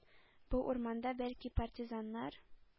Бу урманда, бәлки, партизаннар